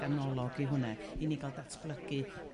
ganolog i hwnna i ni ga'l datblygu